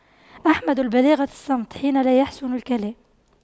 أحمد البلاغة الصمت حين لا يَحْسُنُ الكلام